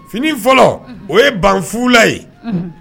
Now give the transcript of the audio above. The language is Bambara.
Fini fɔlɔ, unhun, o ye banfula ye, unhun